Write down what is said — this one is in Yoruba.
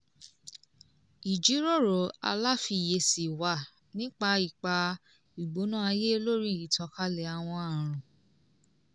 "Ìjíròrò aláfiyèsí wà nípa ipa ìgbòná ayé lórí ìtànkálẹ̀ àwọn àrùn.